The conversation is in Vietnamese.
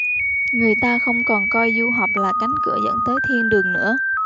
người ta không còn coi du học là cánh cửa dẫn tới thiên đường nữa